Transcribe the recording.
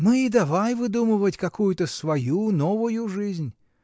Мы и давай выдумывать какую-то свою, новую жизнь!